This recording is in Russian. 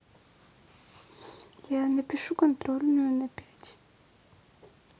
я напишу контрольную на пять